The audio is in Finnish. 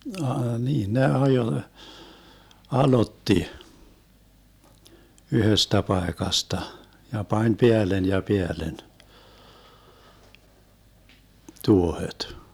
- niin ne ajoi aloitti yhdestä paikasta ja pani päälle ja päälle tuohet